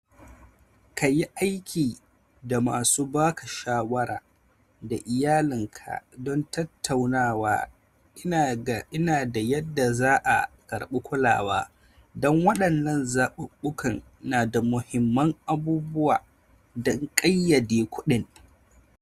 Kayi aiki da masu baka shawara da iyalin ka don tattauna ina da yanda za’a karbi kulawa, don wadannan zabubbukan nada muhimman abubuwa don kayyade kudin.